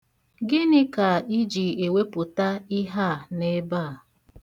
Gịnị ka i ji ewepụta ihe a n'ebe a?